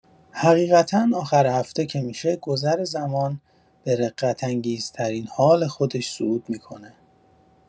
حقیقتا آخر هفته که می‌شه گذر زمان به رقت‌انگیزترین حال خودش صعود می‌کنه.